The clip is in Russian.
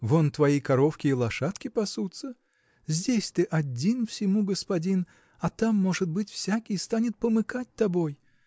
Вон твои коровки и лошадки пасутся. Здесь ты один всему господин а там может быть всякий станет помыкать тобой.